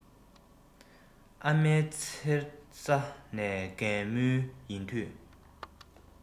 ཨ མའི མཚེར ས ནས རྒས མུས ཡིན དུས